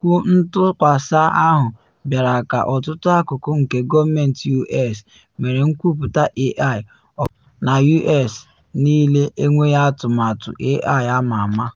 Okwu ntụkwasa ahụ bịara ka ọtụtụ akụkụ nke gọọmentị U.S. mere nkwupute AI, ọbụlagodi na U.S. niile enweghị atụmatụ AI ama ama.